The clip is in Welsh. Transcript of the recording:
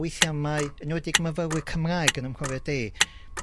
weithia' mae enwedig myfyrwyr Cymraeg yn 'ym mhrofiad i,